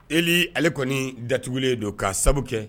Eli ale kɔni datugulen don ka sababu kɛ